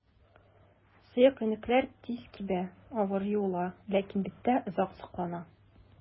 Сыек иннекләр тиз кибә, авыр юыла, ләкин биттә озак саклана.